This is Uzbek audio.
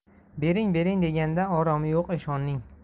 bering bering deganda oromi yo'q eshonning